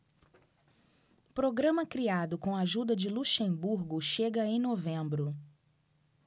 programa criado com a ajuda de luxemburgo chega em novembro